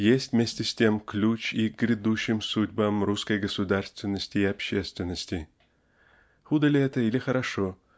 есть вместе с тем ключ и к грядущим судьбам русской государственности и общественности. Худо ли это или хорошо